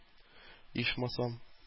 Ичмасам